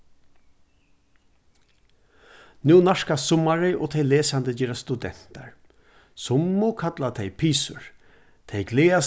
nú nærkast summarið og tey lesandi gerast studentar kalla tey pisur tey gleða